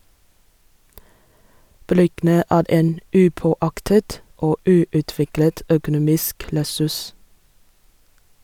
Bryggene er en upåaktet og uutviklet økonomisk ressurs.